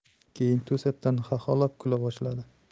keyin to'satdan xaxolab kula boshladi